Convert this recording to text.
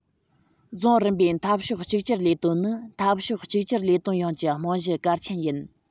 རྫོང རིམ པའི འཐབ ཕྱོགས གཅིག གྱུར ལས དོན ནི འཐབ ཕྱོགས གཅིག གྱུར ལས དོན ཡོངས ཀྱི རྨང གཞི གལ ཆེན ཡིན